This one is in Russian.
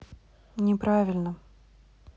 не правильно